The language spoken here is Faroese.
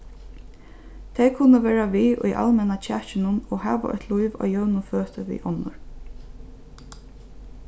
tey kunnu vera við í almenna kjakinum og hava eitt lív á jøvnum føti við onnur